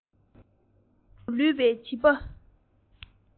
གསར གསོས ཀྱི མྱུ གུ དང འདྲ བའི བྱིས པ